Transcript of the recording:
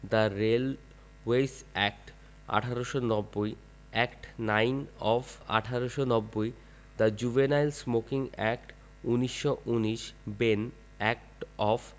The railways act ১৮৯০ act nine of ১৮৯০ the juvenile smoking act ১৯১৯ Ben. Act of